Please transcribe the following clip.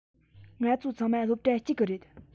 ང ཚོ ཚང མ སློབ གྲྭ གཅིག གི རེད